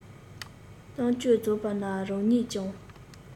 གཏམ རྒྱུད རྫོགས པ ན རང ཉིད ཀྱང